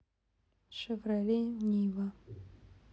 шевроле нива